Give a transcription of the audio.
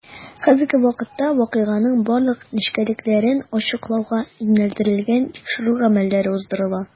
Хәзерге вакытта вакыйганың барлык нечкәлекләрен ачыклауга юнәлдерелгән тикшерү гамәлләре уздырыла.